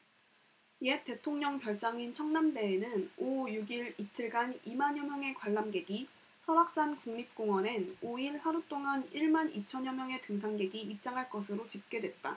옛 대통령 별장인 청남대에는 오 육 일 이틀간 이 만여 명의 관람객이 설악산국립공원엔 오 일 하루 동안 일 만 이천 여 명의 등산객이 입장한 것으로 집계됐다